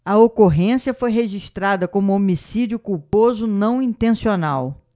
a ocorrência foi registrada como homicídio culposo não intencional